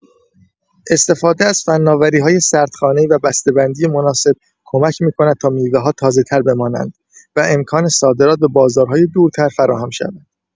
استفاده از فناوری‌های سردخانه‌ای و بسته‌بندی مناسب کمک می‌کند تا میوه‌ها تازه‌تر بمانند و امکان صادرات به بازارهای دورتر فراهم شود.